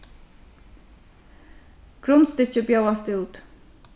grundstykki bjóðast út